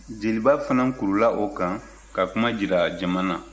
jeliba fana kurula o kan ka kuma jira jama na